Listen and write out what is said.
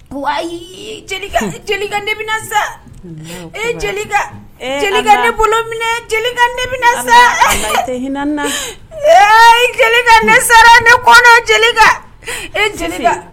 Wayi ! Jelika Jelika ne bɛna sa e Jelika Jelika ne bolo minɛ Jelika ne bɛna sa, e Ala i ɛ hinɛ n na, ee Jelika ne sara ne kɔnɔ Jelika e Jelika